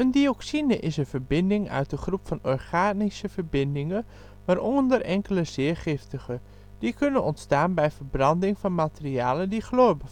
dioxine is een verbinding uit een groep van organische verbindingen, waaronder enkele zeer giftige, die kunnen ontstaan bij verbranding van materialen die chloor